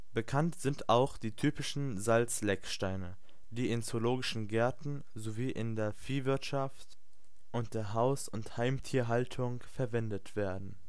Bekannt sind auch die typischen Salzlecksteine, die in zoologischen Gärten, sowie in der Viehwirtschaft und der Haus - und Heimtierhaltung verwendet werden